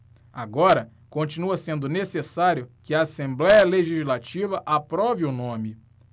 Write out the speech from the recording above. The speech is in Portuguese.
agora continua sendo necessário que a assembléia legislativa aprove o nome